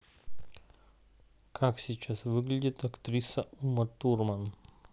как сейчас выглядит актриса ума турман